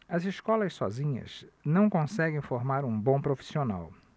as escolas sozinhas não conseguem formar um bom profissional